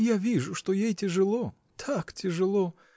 Я вижу, что ей тяжело, так тяжело